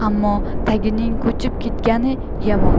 ammo tagining ko'chib ketgani yomon